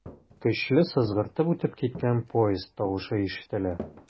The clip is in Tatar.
Көчле сызгыртып үтеп киткән поезд тавышы ишетелә.